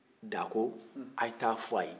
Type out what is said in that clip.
da ko ye t'a fɔ a ye